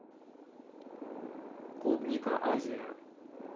клубника азия